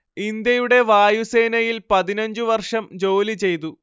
ഇന്ത്യയുടെ വായുസേനയിൽ പതിനഞ്ചു വർഷം ജോലി ചെയ്തു